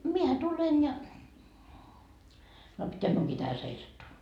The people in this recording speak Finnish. minähän tulen ja no pitääkö minunkin tähän seisattua